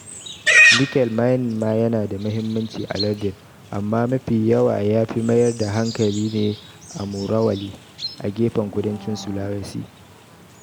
Nickel mining ma yana da mahimmanci a lardin, amma mafi yawa ya fi mayar da hankali ne a Morowali, a gefen kudancin Sulawesi.